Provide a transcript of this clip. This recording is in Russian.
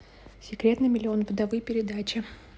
секрет на миллион вдовы передача